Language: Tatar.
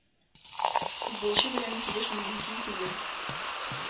Футболчы белән килешми мөмкин түгел.